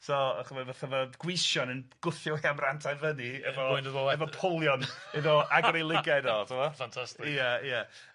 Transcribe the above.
So ch'mod fatha fel gweision yn gwthio eich amranta i fyny efo efo polion iddo agor ei ligaid iddo t'bo'? Ffantastic. Ia ia.